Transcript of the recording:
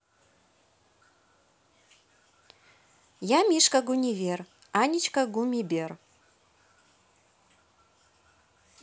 я мишка гунивер анечка гумибер